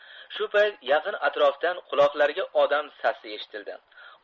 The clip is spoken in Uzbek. shu payt yaqin atrofdan quloqlariga odam sasi eshitildi